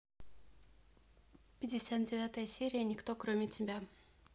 пятьдесят девятая серия никто кроме тебя